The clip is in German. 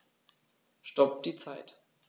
Stopp die Zeit